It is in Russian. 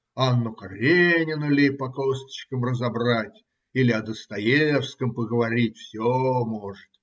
"Анну Каренину" ли по косточкам разобрать или о Достоевском поговорить, все может